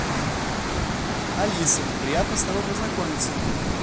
алиса приятно с тобой познакомимся